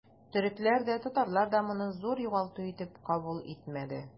Төрекләр дә, татарлар да моны зур югалту итеп кабул итмәде.